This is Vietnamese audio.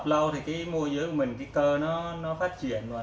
khi chúng ta tập lâu môi dưới sẽ phát triển cơ